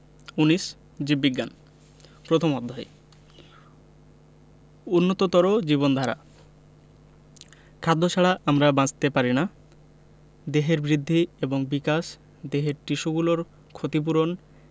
১৯ জীববিজ্ঞান প্রথম অধ্যায় উন্নততর জীবনধারা খাদ্য ছাড়া আমরা বাঁচতে পারি না দেহের বৃদ্ধি এবং বিকাশ দেহের টিস্যুগুলোর ক্ষতি পূরণ